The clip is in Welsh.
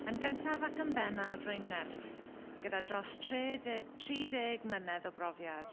Yn gyntaf ac yn bennaf rwy'n nyrs gyda dros tre de- tri deg mlynedd o brofiad.